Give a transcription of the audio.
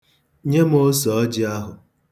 Nye m osọọjị ahụ.